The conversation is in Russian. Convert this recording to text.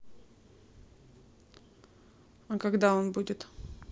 а когда он будет